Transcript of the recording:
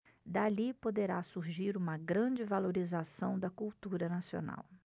dali poderá surgir uma grande valorização da cultura nacional